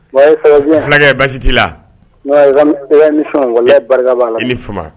Wɛyi, ça va bien , filakɛ basi t'i la? Wɛyi i ka émission barika b'a la, i ni fama.